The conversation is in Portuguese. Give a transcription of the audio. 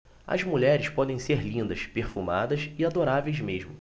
as mulheres podem ser lindas perfumadas e adoráveis mesmo